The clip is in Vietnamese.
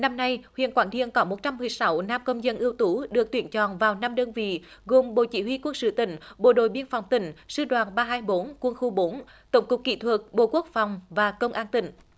năm nay huyện quản điền có một trăm mười sáu nam công dân ưu tú được tuyển chọn vào năm đơn vị gồm bộ chỉ huy quân sự tỉnh bộ đội biên phòng tỉnh sư đoàn ba hai bốn quân khu bốn tổng cục kỹ thuật bộ quốc phòng và công an tỉnh